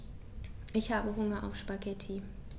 Ich habe Hunger auf Spaghetti.